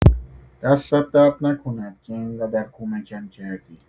دستت درد نکند که انقدر کمکم کردی.